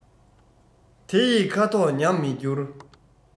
དེ ཡི ཁ དོག ཉམས མི འགྱུར